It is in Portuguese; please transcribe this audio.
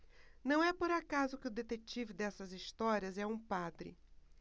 não é por acaso que o detetive dessas histórias é um padre